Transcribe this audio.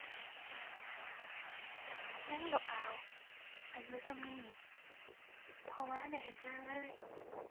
ยังดอกอาว อายุส่ำนี้ เพราะว่าทันได้เฮ็ดงานเลย